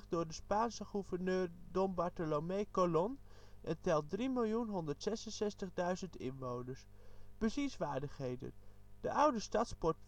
door de Spaanse gouverneur Don Bartolomé Colón, en telt 3.166.000 inwoners (2001). Bezienswaardigheden de oude stadspoort